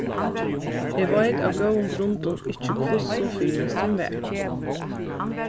eg veit av góðum grundum ikki hvussu fyrilesturin var